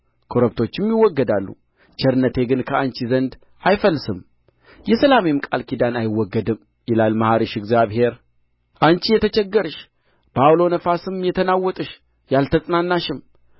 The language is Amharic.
ኮረብቶችም ይወገዳሉ ቸርነቴ ግን ከአንቺ ዘንድ አይፈልስም የሰላሜም ቃል ኪዳን አይወገድም ይላል መሐሪሽ እግዚአብሔር አንቺ የተቸገርሽ በዐውል ነፋስም የተናወጥሽ ያልተጽናናሽም